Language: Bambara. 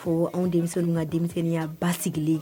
Fo anw denmisɛnninw ka denmisɛnninya ba sigilen